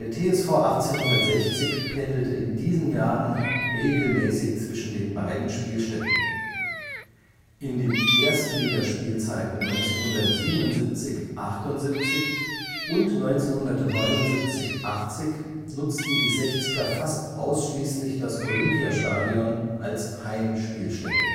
TSV 1860 pendelte in diesen Jahren regelmäßig zwischen den beiden Spielstätten. In den Erstligaspielzeiten 1977 / 78 und 1979 / 80 nutzten die Sechzger fast ausschließlich das Olympiastadion als Heimspielstätte